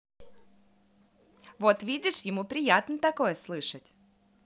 вот видишь ему приятно такое слышать